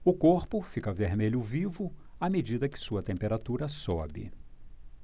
o corpo fica vermelho vivo à medida que sua temperatura sobe